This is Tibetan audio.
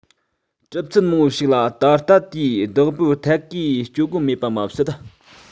གྲུབ ཚུལ མང པོ ཞིག ལ ད ལྟ དེའི བདག པོར ཐད ཀའི སྤྱོད སྒོ མེད པ མ ཟད